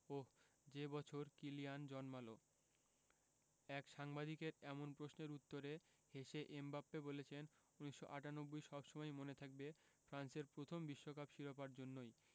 ওহ্ যে বছর কিলিয়ান জন্মাল এক সাংবাদিকের এমন প্রশ্নের উত্তরে হেসে এমবাপ্পে বলেছেন ১৯৯৮ সব সময়ই মনে থাকবে ফ্রান্সের প্রথম বিশ্বকাপ শিরোপার জন্যই